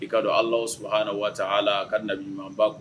I ka dɔ Alahu subahana watala a ka nabi ɲuman ba